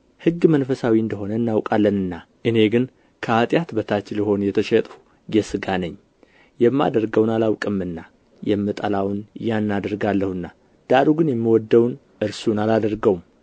ሕግ መንፈሳዊ እንደ ሆነ እናውቃለንና እኔ ግን ከኃጢአት በታች ልሆን የተሸጥሁ የሥጋ ነኝ የማደርገውን አላውቅምና የምጠላውን ያን አደርጋለሁና ዳሩ ግን የምወደውን እርሱን አላደርገውም